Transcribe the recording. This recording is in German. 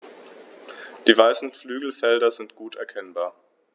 Die weißen Flügelfelder sind gut erkennbar.